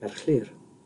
merch Llyr.